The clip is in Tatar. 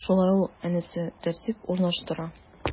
Шулай ул, янәсе, тәртип урнаштыра.